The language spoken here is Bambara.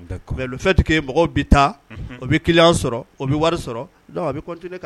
D'accord mais le fait que mɔgɔw bɛ taa unhun u bɛ client sɔrɔ u bɛ wari sɔrɔ donc a bɛ continuer ka